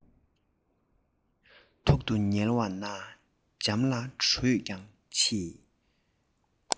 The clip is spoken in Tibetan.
ཐོག ཏུ ཉལ བ ན འཇམ ལ དྲོད ཀྱང ཆེ